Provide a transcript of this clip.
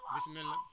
bismilah